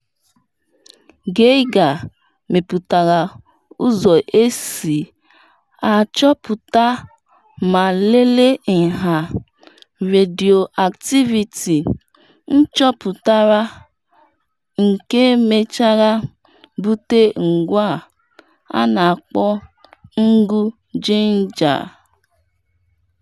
Geiger mepụtara ụzọ esi achọpụta ma lelee nha redioaktiviti, nchọpụta nke mechara bute ngwa a na-akpọ Ngụ Geiger.